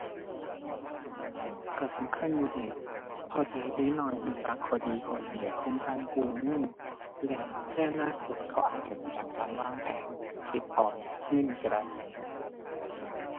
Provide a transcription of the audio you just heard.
ก็สำคัญอยู่เดะ เพราะจะเฮ็ดให้เด็กน้อยก็จักข้อดีข้อเสียของการกู้เงิน และในอนาคตเขาอาจจะก็จักการวางแผน เก็บออมเงินก็ได้